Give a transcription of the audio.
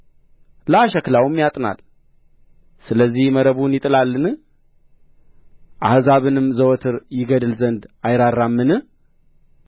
ለአሽክላውም ያጥናል ስለዚህ መረቡን ይጥላልን አሕዛብንም ዘወትር ይገድል ዘንድ አይራራምን